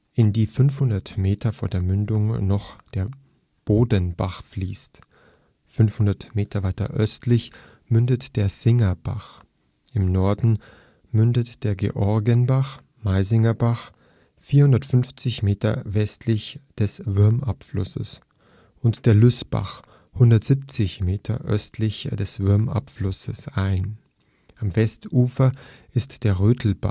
in die 500 Meter vor der Mündung noch der Bodenbach fließt. 500 Meter weiter östlich mündet der Singerbach. Im Norden münden der Georgenbach (Maisinger Bach, 450 Meter westlich des Würm-Abflusses) und der Lüßbach (170 Meter östlich des Würm-Abflusses) ein. Am Westufer ist der Rötlbach